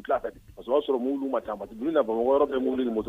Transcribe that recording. Tila fɛ de parce que o y'a sɔrɔ mobiliw ma taama Bamako yɔrɔ bɛ ye mobili ni moto